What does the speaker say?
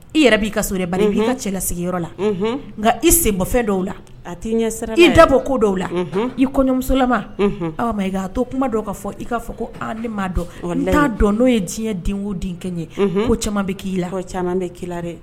I yɛrɛ b'i ka so ba' ii ka cɛla sigiyɔrɔ la nka i senbonfɛn dɔw la a t'i ɲɛ sera i dabɔ ko dɔw la i kɔɲɔmusolama aw ma ia to kuma dɔw kaa fɔ i'a fɔ ko ali ma dɔn'a dɔn n'o ye diɲɛ den ko den kɛ ye ko caman bɛ'i la k'i dɛ